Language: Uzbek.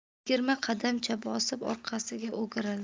yigirma qadamcha bosib orqasiga o'girildi